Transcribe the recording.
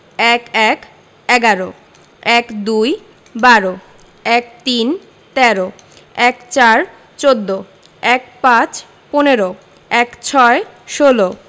১১ - এগারো ১২ - বারো ১৩ - তেরো ১৪ - চৌদ্দ ১৫ – পনেরো ১৬ - ষোল